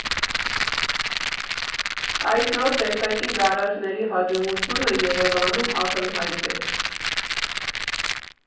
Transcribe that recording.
Այս նոր տեսակի գարաժների հաջողությունը Երևանում ակնհայտ է։